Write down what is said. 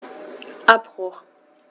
Abbruch.